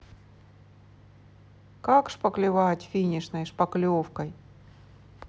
как шпаклевать финишной шпаклевкой